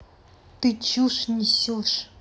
ты чушь несешь